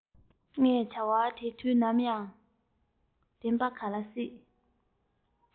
ངས བྱ བ དེ དུས ནམ ཡང བརྗེད ག ལ སྲིད